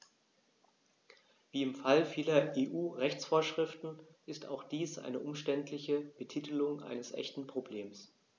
Wie im Fall vieler EU-Rechtsvorschriften ist auch dies eine umständliche Betitelung eines echten Problems.